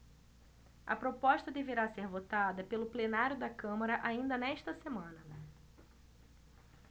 a proposta deverá ser votada pelo plenário da câmara ainda nesta semana